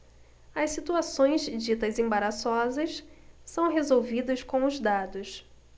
as situações ditas embaraçosas são resolvidas com os dados